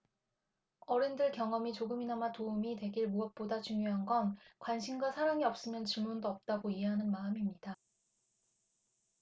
어른들 경험이 조금이나마 도움이 되길무엇보다 중요한 건 관심과 사랑이 없으면 질문도 없다고 이해하는 마음입니다